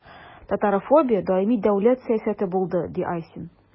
Татарофобия даими дәүләт сәясәте булды, – ди Айсин.